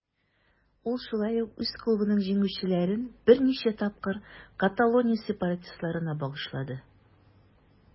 Ул шулай ук үз клубының җиңүләрен берничә тапкыр Каталония сепаратистларына багышлады.